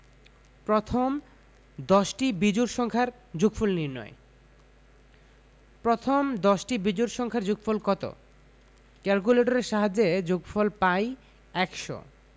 প্রথম দশটি বিজোড় সংখ্যার যোগফল নির্ণয় প্রথম দশটি বিজোড় সংখ্যার যোগফল কত ক্যালকুলেটরের সাহায্যে যোগফল পাই ১০০